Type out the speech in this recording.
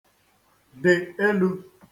-dị̀ elū